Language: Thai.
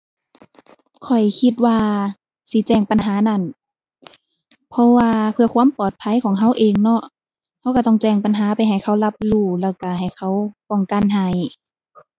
ข้อยคิดว่าสิแจ้งปัญหานั้น เพราะว่าเพื่อความปลอดภัยของเราเองเนาะ เราเราต้องแจ้งปัญหาไปให้เขารับรู้ แล้วเราให้เขาป้องกันให้